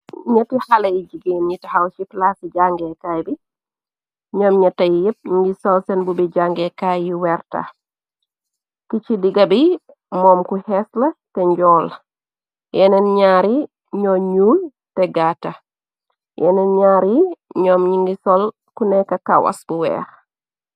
Ñetti xalèh yu jigéen ñi taxaw ci plasi jangèè kay bi ñom ñetta yép ñi ngi sol sèèn mbubi jàngee kay yu werta ki ci digga bi moolm ku xeesla te njol yenen ñaar yi ño ñuul te gata yenen ñaari yi ñom ñi ngi sol ku neka kawas bu wèèx.